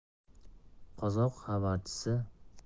qozoq xabarchisi